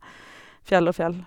Fjell og fjell.